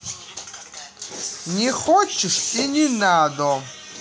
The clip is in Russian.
не хочешь и не надо